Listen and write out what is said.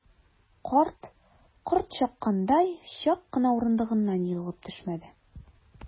Карт, корт чаккандай, чак кына урындыгыннан егылып төшмәде.